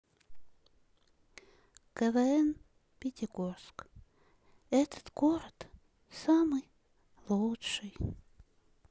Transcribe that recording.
квн пятигорск этот город самый лучший